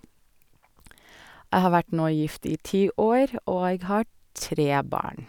Jeg har vært nå gift i ti år, og har tre barn.